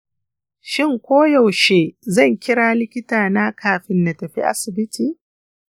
shin koyaushe zan kira likitana kafin na tafi asibiti?